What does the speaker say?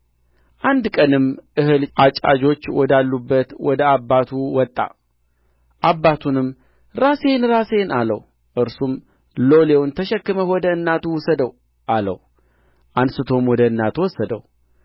አለ እርስዋም አይደለም ጌታዬ የእግዚአብሔር ሰው ሆይ ባሪያህን እንዳትዋሻት እለምንሃለሁ አለች ሴቲቱም ፀነሰች በዚያም ወራት በአዲሱ ዓመት ኤልሳዕ እንዳላት ወንድ ልጅ ወለደች ሕፃኑም አደገ